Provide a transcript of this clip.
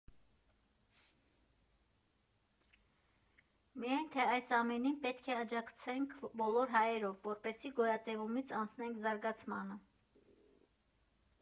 Միայն թե այս ամենին պետք է աջակցենք բոլոր հայերով, որպեսզի գոյատևումից անցնենք զարգացմանը։